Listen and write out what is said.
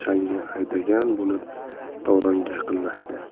haydagan bo'lib davronga yaqinlashdi